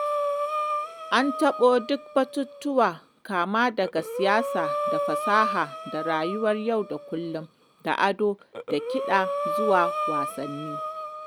An taɓo duk batutuwa kama daga siyasa da fasaha da rayuwar yau da kullum da ado da kiɗa zuwa wasanni.